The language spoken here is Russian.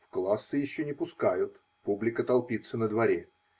В классы еще не пускают, публика толпится на дворе.